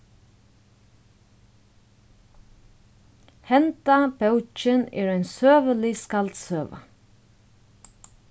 henda bókin er ein søgulig skaldsøga